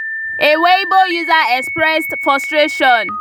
A Weibo user expressed frustration: